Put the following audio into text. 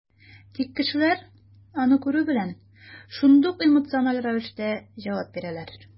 Тик кешеләр, аны күрү белән, шундук эмоциональ рәвештә җавап бирәләр.